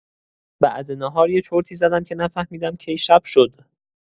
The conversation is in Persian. بعد ناهار یه چرتی زدم که نفهمیدم کی شب شد!